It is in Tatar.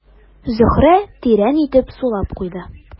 Зөһрә тирән итеп сулап куйды.